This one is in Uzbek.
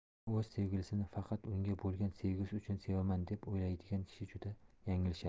u o'z sevgilisini faqat unga bo'lgan sevgisi uchun sevaman deb o'ylaydigan kishi juda yanglishadi